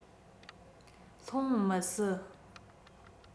ལྷུང མི སྲིད